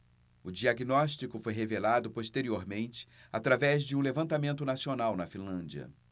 o diagnóstico foi revelado posteriormente através de um levantamento nacional na finlândia